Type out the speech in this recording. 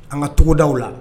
An ka cogoda la